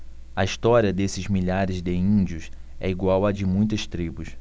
a história desses milhares de índios é igual à de muitas tribos